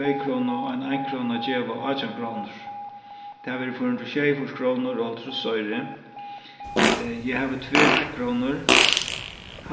tveykróna og ein einkróna geva átjan krónur tað verður fýra hundrað og sjeyogfýrs krónur og hálvtrýss oyru eg havi tvær eittkrónur